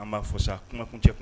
An b'a fɔ sa kumakuncɛ